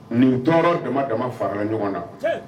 Nin tɔɔɔ dama dama faralen ɲɔgɔn na